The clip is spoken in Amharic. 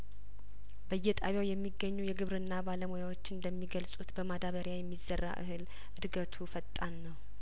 በየጣቢያው የሚገኙ የግብርና ባለሙያዎች እንደሚገልጹት በማዳበሪያ የሚዘራ እህል እድገቱ ፈጣን ነው